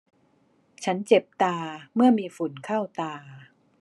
ฉันเจ็บตาเมื่อมีฝุ่นเข้าตา